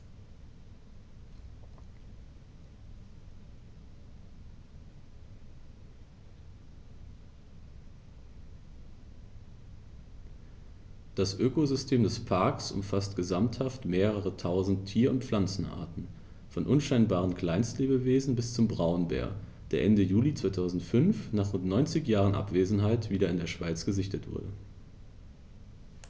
Das Ökosystem des Parks umfasst gesamthaft mehrere tausend Tier- und Pflanzenarten, von unscheinbaren Kleinstlebewesen bis zum Braunbär, der Ende Juli 2005, nach rund 90 Jahren Abwesenheit, wieder in der Schweiz gesichtet wurde.